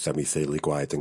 ...am ei theulu gwaed yn...